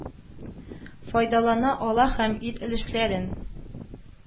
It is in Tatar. Файдалана ала һәм ир өлешләрен